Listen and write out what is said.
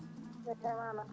*